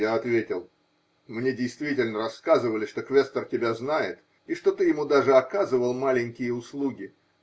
Я ответил: -- Мне действительно рассказывали, что квестор тебя знает и что ты ему даже оказывал маленькие услуги.